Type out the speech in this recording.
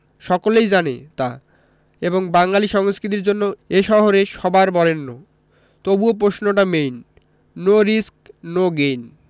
সকলেই জানে তা এবং বাঙালী সংস্কৃতির জন্য এ শহরে সবার বরেণ্য তবুও প্রশ্নটা main no risk no gain